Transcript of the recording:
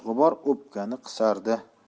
g'ubor o'pkani qisardi